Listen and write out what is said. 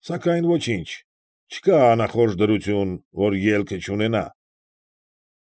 Սակայն ոչինչ, չկա անախորժ դրություն, որ իր ելքը չունենա։